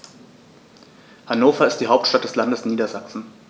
Hannover ist die Hauptstadt des Landes Niedersachsen.